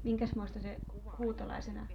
minkäsmoista se huutolaisena